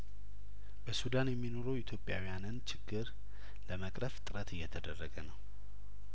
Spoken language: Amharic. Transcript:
በሱዳን የሚኖሩ ኢትዮጵያውያንን ችግር ለመቅረፍ ጥረት እየተደረገ ነው